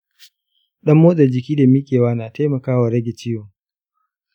ɗan motsa jiki da miƙewa na taimakawa rage ciwon.